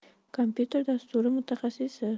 komyuter dasturi mutaxassisi